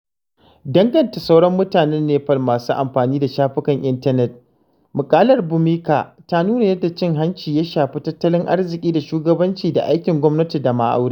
Danganta sauran mutanen Nepal masu amfani da shafukan intanet, muƙalar Bhumika ta nuna yadda cin-hanci ya shafi tattalin arziki da shugabanci da aikin gwamnati da ma aure.